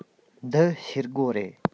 འདི ཤེལ སྒོ རེད